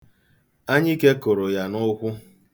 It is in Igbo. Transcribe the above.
Anyike kụrụ ya n'ụkwụ.